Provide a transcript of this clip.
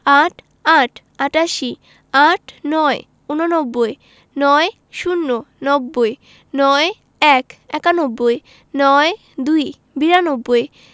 ৮৮ আটাশি ৮৯ ঊননব্বই ৯০ নব্বই ৯১ একানব্বই ৯২ বিরানব্বই